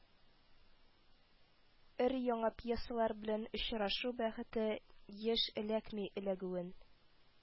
Өр-яңа пьесалар белән очрашу бәхете еш эләкми эләгүен